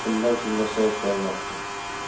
ham kundan kunga sovib bormoqda